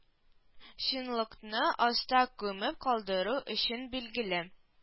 Чынлыкны аста күмеп калдыру өчен билгеле